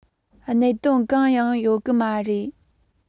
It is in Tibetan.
གནད དོན གང ཡང ཡོད ཀྱི མ རེད